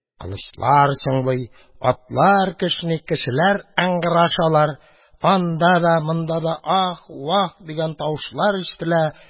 Кылычлар чыңлый, атлар кешни, кешеләр ыңгырашалар, анда да, монда да «аһ-ваһ» дигән тавышлар ишетелә.